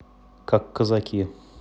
как казаки